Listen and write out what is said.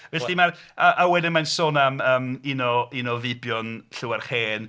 Felly mae'r awen yma'n sôn am yym un o... un o feibion Llywarch Hen